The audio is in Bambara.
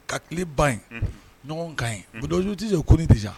Ka tile ba in ɲɔgɔn ka yen les objectifs sont connus deja